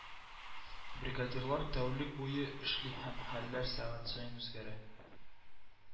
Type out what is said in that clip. Бригадалар тәүлек буе эшли һәм хәлләр сәгать саен үзгәрә